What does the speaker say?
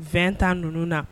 20 ans ninnu na